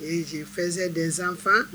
Ee fɛnsɛ defan